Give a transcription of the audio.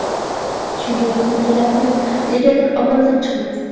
shunday degim kelardi yu negadir ovozim chiqmasdi